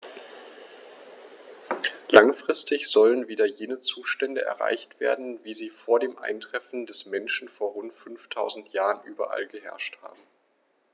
Langfristig sollen wieder jene Zustände erreicht werden, wie sie vor dem Eintreffen des Menschen vor rund 5000 Jahren überall geherrscht haben.